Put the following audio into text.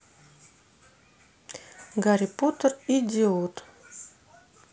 гарри поттер идиот